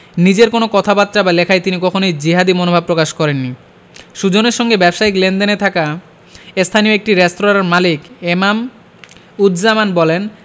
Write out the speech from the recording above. নিজের কোনো কথাবার্তা বা লেখায় তিনি কখনোই জিহাদি মনোভাব প্রকাশ করেননি সুজনের সঙ্গে ব্যবসায়িক লেনদেন এ থাকা স্থানীয় একটি রেস্তোরাঁর মালিক এনাম উজজামান বলেন